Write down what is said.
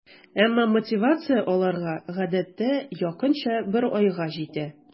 Әмма мотивация аларга гадәттә якынча бер айга җитә.